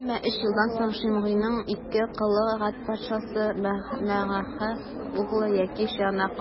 Әмма өч елдан соң Шимгыйның ике колы Гәт патшасы, Мәгакәһ углы Әкиш янына качып китте.